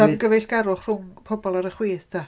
Gyfeillgarwch rhwng pobl ar y chwith de?